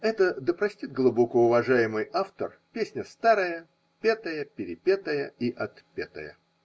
Это, да простит глубокоуважаемый автор, песня старая, петая, перепетая – и отпетая.